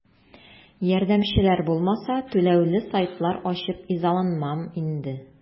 Ярдәмчеләр булмаса, түләүле сайтлар ачып изаланмам инде.